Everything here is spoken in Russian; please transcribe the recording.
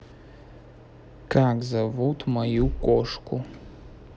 как зовут мою кошку